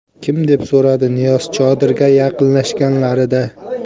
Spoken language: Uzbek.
kim deb so'radi niyoz chodirga yaqinlashganlarida